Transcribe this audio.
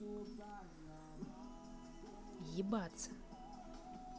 ебаться